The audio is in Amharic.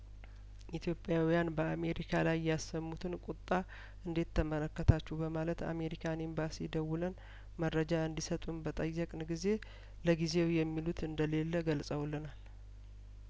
ኢትዮጵያውያን በአሜሪካ ላይ ያሰሙትን ቁጣ እንዴት ተመለከታ ችሁ በማለት አሜሪካን ኤምባሲ ደውለን መረጃ እንዲሰጡን በጠየቅን ጊዜ ለጊዜው የሚሉት እንደሌለ ገልጸውልናል